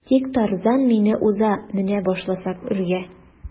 Тик Тарзан мине уза менә башласак үргә.